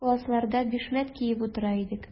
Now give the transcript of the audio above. Классларда бишмәт киеп утыра идек.